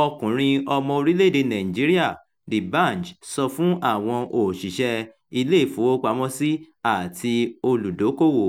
ọ̀kọrin ọmọ orílẹ̀-èdèe Nàìjíríà D'Banj sọ fún àwọn òṣìṣẹ́ Ilé-ìfowópamọ́sí àti olùdókoòwò: